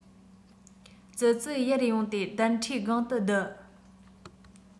ཙི ཙི ཡར ཡོང སྟེ གདན ཁྲིའི སྒང དུ བསྡད